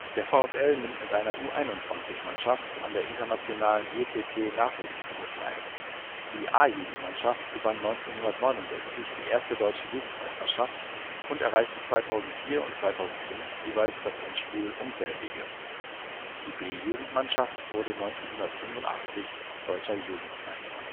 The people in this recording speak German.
Der VfL nimmt mit einer U21-Mannschaft an der internationalen E.T.T.-Nachwuchsrunde teil. Die A-Jugendmannschaft gewann 1969 die erste Deutsche Jugendmeisterschaft und erreichte 2004 und 2005 jeweils das Endspiel um selbige. Die B-Jugendmannschaft wurde 1985 Deutscher Jugendmeister